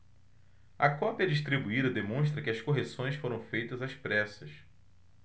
a cópia distribuída demonstra que as correções foram feitas às pressas